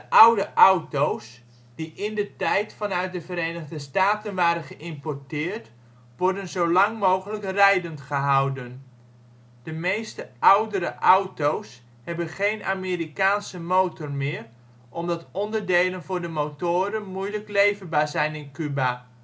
oude auto 's (die indertijd vanuit de Verenigde Staten waren geïmporteerd) worden zo lang mogelijk rijdend gehouden. De meeste oudere auto 's hebben geen Amerikaanse motor meer omdat onderdelen voor de motoren moeilijk leverbaar zijn in Cuba